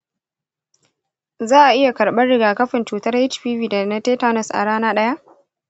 za’a iya karbar rigakafin cutar hpv da na tetanus a rana ɗaya?